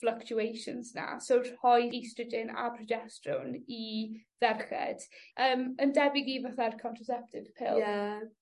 fluctuations 'na so rhoi oestrogen a progesteron i ferched. Yym yn debyg i fatha'r contraceptive pill. Ie.